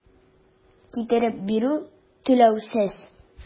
Китереп бирү - түләүсез.